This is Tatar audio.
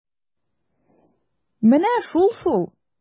Менә шул-шул!